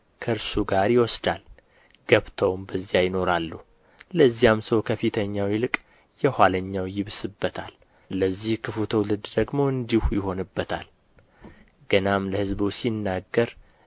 ከእርሱ ጋር ይወስዳል ገብተውም በዚያ ይኖራሉ ለዚያም ሰው ከፊተኛው ይልቅ የኋለኛው ይብስበታል ለዚህ ክፉ ትውልድ ደግሞ እንዲሁ ይሆንበታል ገናም ለሕዝቡ ሲናገር